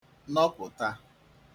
nọpụ̀ta